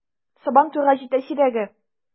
Сабан туйга җитә сирәге!